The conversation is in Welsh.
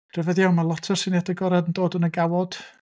Ymm rhyfedd iawn ma' lot o'r syniadau gorau yn dod yn y gawod.